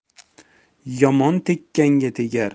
yomon tekkanga tegar